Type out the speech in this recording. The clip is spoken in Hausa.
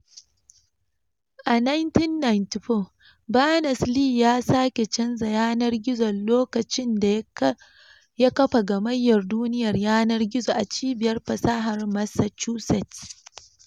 A 1994, Berners-Lee ya sake canza yanar-gizon lokacin da ya kafa Gammayar Duniyar Yanar Gizo a Cibiyar Fasaha Massachusetts.